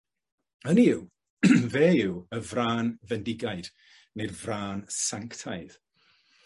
Hynny yw fe yw y frân fendigaid neu'r frân sanctaidd.